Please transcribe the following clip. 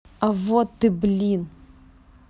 а вот ты блин